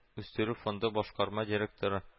Үстерү фонды башкарма директоры